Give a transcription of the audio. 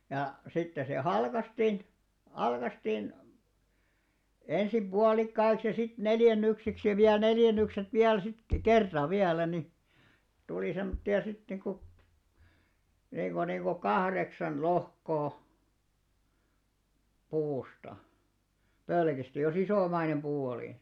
ja sitten se halkaistiin halkaistiin ensin puolikkaiksi ja sitten neljännyksiksi ja vielä neljännykset vielä sitten kerta vielä niin tuli semmoisia sitten niin kuin niin kuin niin kuin kahdeksan lohkoa puusta pölkistä jos isomainen puu oli